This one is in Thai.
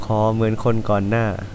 ขอเหมือนคนก่อนหน้า